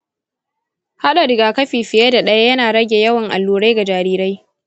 haɗa rigakafi fiye da ɗaya yana rage yawan allurai ga jarirai.